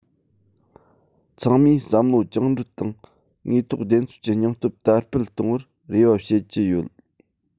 ཚང མས བསམ བློ བཅིངས འགྲོལ དང དངོས ཐོག བདེན འཚོལ གྱི སྙིང སྟོབས དར སྤེལ གཏོང བར རེ བ བྱེད ཀྱི ཡོད